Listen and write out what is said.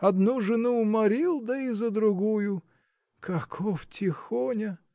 Одну жену уморил, да и за другую. Каков тихоня?